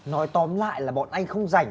nói tóm lại là bọn anh không rảnh